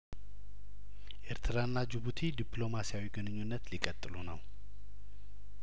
ኤርትራና ጅቡቲ ዲፕሎማሲያዊ ግንኙነት ሊቀጥሉ ነው